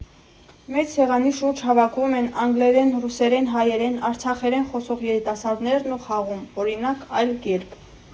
Մեծ սեղանի շուրջ հավաքվում են անգլերեն, ռուսերեն, հայերեն, արցախերեն խոսող երիտասարդներն ու խաղում, օրինակ՝ «Այլ կերպ»։